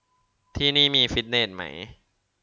ที่นี่มีฟิตเนสไหม